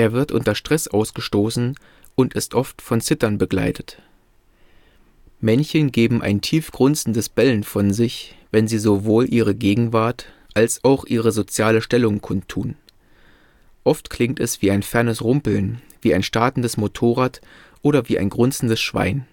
wird unter Stress ausgestoßen und ist oft von Zittern begleitet. Männchen geben ein tief grunzendes Bellen von sich, wenn sie sowohl ihre Gegenwart als auch ihre soziale Stellung kundtun. Oft klingt es wie ein fernes Rumpeln, wie ein startendes Motorrad oder wie ein grunzendes Schwein